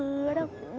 đâu ự